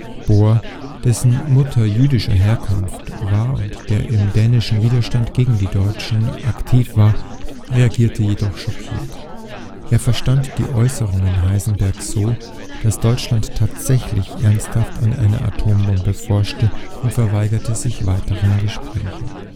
Bohr, dessen Mutter jüdischer Herkunft war und der im dänischen Widerstand gegen die Deutschen aktiv war, reagierte jedoch schockiert. Er verstand die Äußerungen Heisenbergs so, dass Deutschland tatsächlich ernsthaft an einer Atombombe forschte und verweigerte sich weiteren Gesprächen